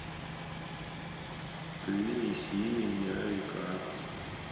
ты неси меня река